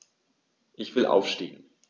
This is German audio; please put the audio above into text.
Ich will aufstehen.